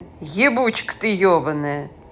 ебучка ты ебаная